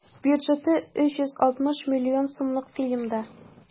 Бюджеты 360 миллион сумлык фильмда.